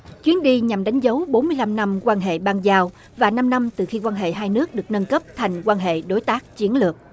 chuyến đi nhằm đánh dấu bốn mươi lăm năm quan hệ bang giao và năm năm từ khi quan hệ hai nước được nâng cấp thành quan hệ đối tác chiến lược